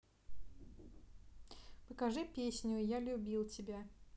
покажи песню я любил тебя